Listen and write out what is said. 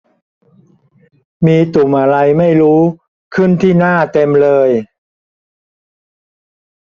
มีตุ่มอะไรไม่รู้ขึ้นที่หน้าเต็มเลย